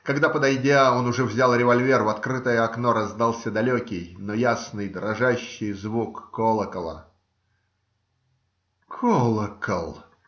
Когда, подойдя, он уже взял револьвер, в открытое окно раздался далекий, но ясный, дрожащий звук колокола. - Колокол!